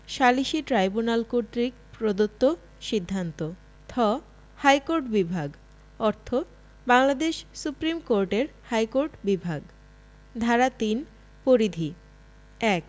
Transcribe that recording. সালিসী ট্রাইব্যুনাল কর্তৃক প্রদত্ত সিদ্ধান্ত থ ইহাকোর্ট বিভাগ অর্থ বাংলাদেশ সুপ্রীম কোর্টের হাইকোর্ট বিভাগ ধারা ৩ পরিধি ১